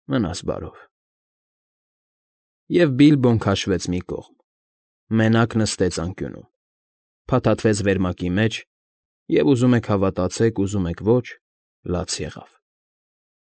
Մնաս բարով… Եվ Բիլբոն քաշվեց մի կողմ, մենակ նստեց անկյունում, փաթաթվեց վերմակի մեջ և, ուզում եք հավատացեք, ուզում եք՝ ոչ, լաց եղավ։